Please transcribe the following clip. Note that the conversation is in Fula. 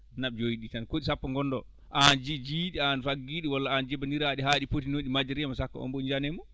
naɓ joyi ɗii tan ko ɗi sappo ngonnoo aan jigii ɗi aan faggiɗi walla ko aan jibiniraaɗi haa ɗi poti noon ɗi majjiriima saka oon mbo yiyaanimo